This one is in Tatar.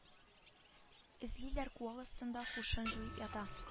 Эзлиләр куак астында һушын җуеп ята